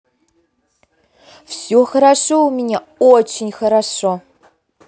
все хорошо у меня очень хорошо